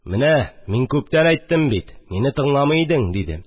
Менә мин күптән әйттем бит, мине тыңламый идең, – диде